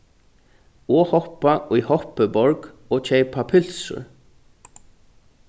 og hoppa í hoppiborg og keypa pylsur